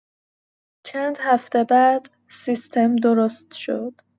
چند هفته بعد، سیستم درست شد.